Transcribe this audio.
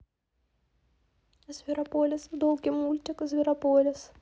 зверополис долгий мультик зверополис